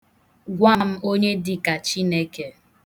Gwa m onye dịka Chineke.